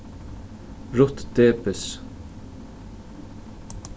ruth debess